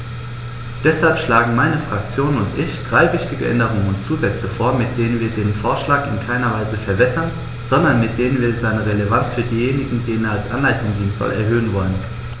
Deshalb schlagen meine Fraktion und ich drei wichtige Änderungen und Zusätze vor, mit denen wir den Vorschlag in keiner Weise verwässern, sondern mit denen wir seine Relevanz für diejenigen, denen er als Anleitung dienen soll, erhöhen wollen.